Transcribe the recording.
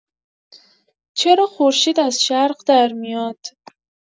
چرا خورشید از شرق درمیاد؟